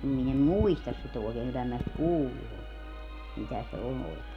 minä en muista sitä oikein kyllä minä sitä kuullut olen mitä se on oikein